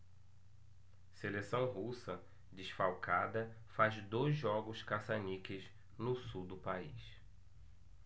seleção russa desfalcada faz dois jogos caça-níqueis no sul do país